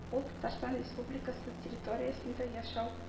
Ул Татарстан Республикасы территориясендә яшәү